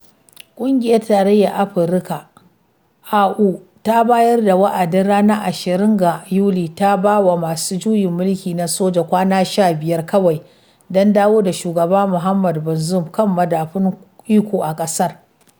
Ƙungiyar Tarayyar Afirka (AU), ta bayar da wa’adin ranar 29 ga Yuli, ta ba wa masu juyin mulki na soja kwana 15 kawai don dawo da shugaba Mohamed Bazoum kan madafun iko a ƙasar.